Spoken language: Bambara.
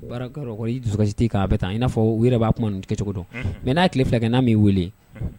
Kɔ i dususiti k'a bɛ taa i n'a fɔ yɛrɛ b' kuma kɛ cogo dɔn mɛ n'a tile filakɛ n'a min weele